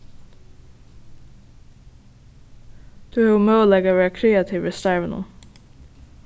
tú hevur møguleika at vera kreativur í starvinum